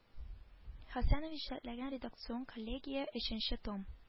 Хәсәнов җитәкләгән редакцион коллегия оченче том